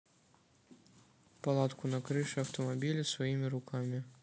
палатку на крыше автомобиля своими руками